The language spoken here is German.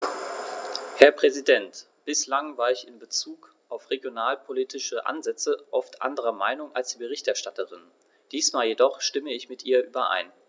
Herr Präsident, bislang war ich in bezug auf regionalpolitische Ansätze oft anderer Meinung als die Berichterstatterin, diesmal jedoch stimme ich mit ihr überein.